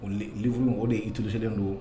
O uru mɔgɔ de ye itiriuru selenlen don